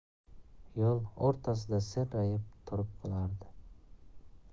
yo'l o'rtasida serrayib turib qolardi